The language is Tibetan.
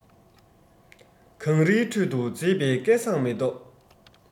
གངས རིའི ཁྲོད དུ མཛེས པའི སྐལ བཟང མེ ཏོག